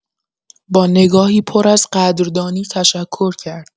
با نگاهی پر از قدردانی تشکر کرد.